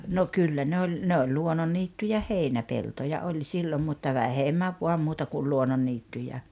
no kyllä ne oli ne oli luonnonniittyjä heinäpeltoja oli silloin mutta vähemmän vain muuta kuin luonnonniittyjä